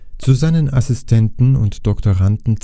Zu seinen Assistenten und Doktoranden